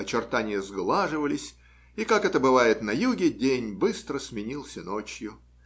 очертания сглаживались, и, как это бывает на юге, день быстро сменился ночью.